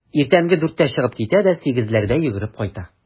Иртәнге дүрттән чыгып китә дә сигезләрдә йөгереп кайта.